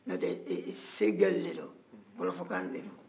n'otɛ seegali de don wɔlɔfɔkan de don